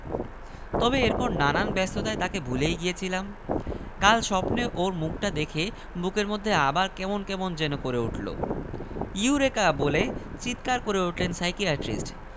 তবে এরপর নানান ব্যস্ততায় তাকে ভুলেই গিয়েছিলাম কাল স্বপ্নে ওর মুখটা দেখে বুকের মধ্যে আবার কেমন কেমন যেন করে উঠল ইউরেকা বলে চিৎকার করে উঠলেন সাইকিয়াট্রিস্ট